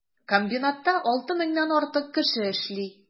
Комбинатта 6 меңнән артык кеше эшли.